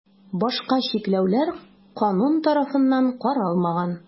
Башка чикләүләр канун тарафыннан каралмаган.